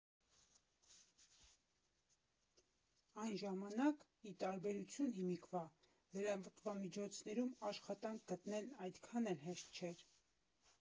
Այն ժամանակ, ի տարբերություն հիմիկվա, լրատվամիջոցներում աշխատանք գտնելն այդքան էլ հեշտ չէր։